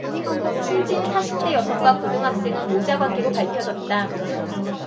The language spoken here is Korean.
숨진 사십 대 여성과 고등학생은 모자 관계로 밝혀졌다